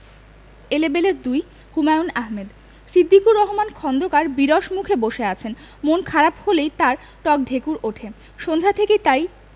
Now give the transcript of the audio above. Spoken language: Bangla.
এলেবেলে ২ হুমায়ূন আহমেদ সিদ্দিকুর রহমান খন্দকার বিরস মুখে বসে আছেন মন খারাপ হলেই তাঁর টক ঢেকুর ওঠে সন্ধ্যা থেকে তাই